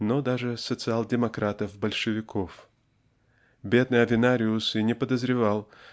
но даже социал-демократов "большевиков". Бедный Авенариус и не подозревал